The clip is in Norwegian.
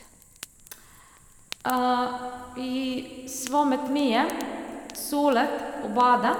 Vi svømte mye, solet og bada.